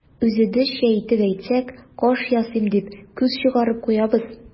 Үзебезчә итеп әйтсәк, каш ясыйм дип, күз чыгарып куябыз.